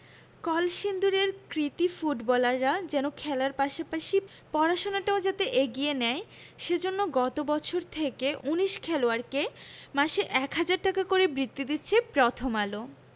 কলসিন্দুরের কৃতী ফুটবলাররা যেন খেলার পাশাপাশি পড়াশোনাটাও যাতে এগিয়ে নেয় সে জন্য গত বছর থেকে ১৯ খেলোয়াড়কে মাসে ১ হাজার টাকা করে বৃত্তি দিচ্ছে প্রথম আলো